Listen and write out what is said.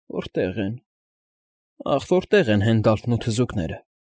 Որտե՞ղ են, ախ, որտե՞ղ են Հենդալֆն ու թզուկները։